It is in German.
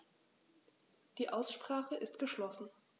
Die Aussprache ist geschlossen.